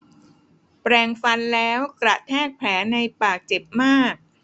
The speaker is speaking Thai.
แปรงฟันแล้วกระแทกแผลในปากเจ็บมาก